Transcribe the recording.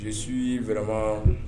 Nci si vma